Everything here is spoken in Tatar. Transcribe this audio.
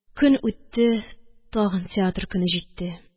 Көн үтте, тагы театр көне җитте